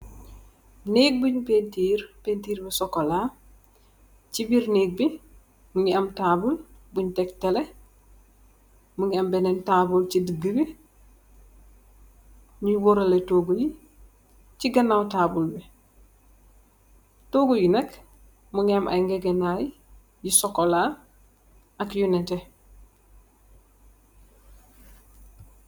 Nëëk buñg peentiir, peentir bu sokolaa, ci birr nëëk bi mu ngi am taabul buñg tek tele. Mu ngi am bénen taabul si diggë bi, ñu wërële toogu yi , ci ganaaw taabul bi, toogu yi nak, mu ngi am ay ñegenaay yu sokolaa ak yu nétté.